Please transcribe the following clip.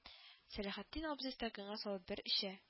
Сәләхетдин абзый стаканга салып бер эчә